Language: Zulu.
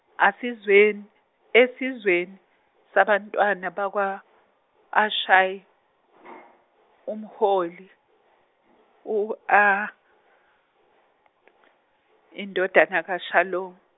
asizweni- esizweni sabantwana bakwa Ashai- umholi u Ah- indodana kaShalom-.